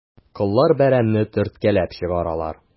Коллар бәрәнне төрткәләп чыгаралар.